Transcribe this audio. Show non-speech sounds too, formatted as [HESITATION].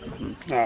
[HESITATION] [HESITATION]